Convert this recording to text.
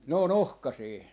ne on ohkaisia